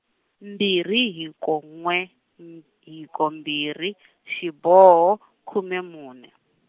mbirhi hiko n'we m-, hiko mbirhi xiboho khume mune.